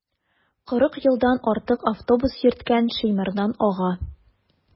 Кырык елдан артык автобус йөрткән Шәймәрдан ага.